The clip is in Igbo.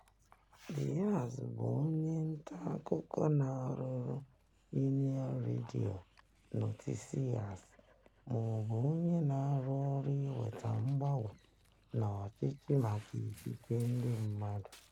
[Díaz] bụ onye nta akụkọ na-arụrụ Unión Radio Noticias ma ọ bụ onye na-arụ ọrụ iweta mgbanwe n'ọchịchị maka ikike ndị nke mmadụ.